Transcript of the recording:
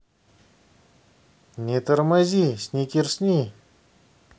не тормози сникерсни